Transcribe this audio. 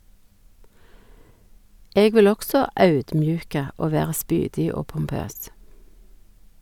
Eg vil også audmjuke og vere spydig og pompøs.